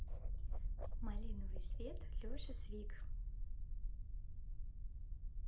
малиновый свет леша свик